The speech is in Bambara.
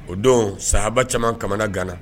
O don sahaba caman kamanaana